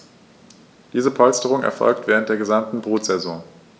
Diese Polsterung erfolgt während der gesamten Brutsaison.